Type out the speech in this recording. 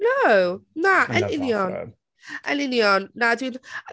No, na... I won't fall for him... yn union. Yn union, na, dwi'n...